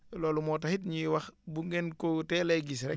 loolu moo tax it ñuy wax bu ngeen ko teelee gis rek